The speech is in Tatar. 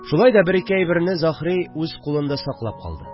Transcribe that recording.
Шулай да бер-ике әйберне Заһри үз кулында саклап калды